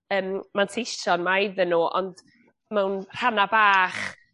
yym manteision 'ma iddyn n'w ond mewn rhanna' bach